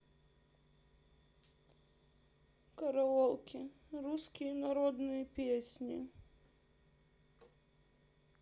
караоке русские народные песни